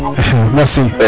ax merci